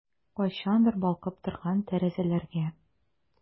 Кайчандыр балкып торган тәрәзәләргә...